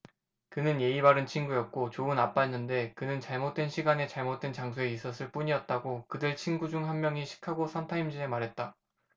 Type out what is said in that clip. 그는 예의 바른 친구였고 좋은 아빠였는데 그는 잘못된 시간에 잘못된 장소에 있었을 뿐이었다고 그들 친구 중 한 명이 시카고 선타임스에 말했다